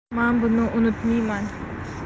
men buni unutmayman